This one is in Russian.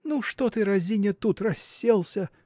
– Ну, что ты, разиня, тут расселся?